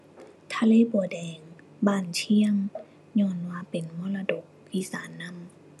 ทะเลบัวแดง บ้านเชียง ญ้อนว่าเป็นมรดกอีสานนำ